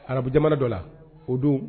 Arabuja dɔ la o don